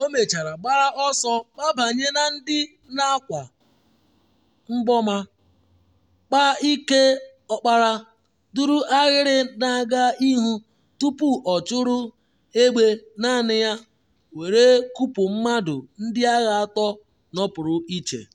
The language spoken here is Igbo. Ọ mechara gbara ọsọ gbabanye na ndị na-akwa mgbọ ma “kpaa ike ọkpara” duru ahịrị na-aga ihu tupu ọ chụrụ egbe naanị ya were kụpụ mmadụ ndị agha atọ nọpụrụ iche.